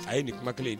A ye nin kuma kelen ye